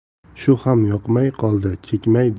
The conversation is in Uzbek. shu ham yoqmay qoldi chekmay